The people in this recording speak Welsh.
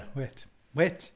Wyt? Wyt.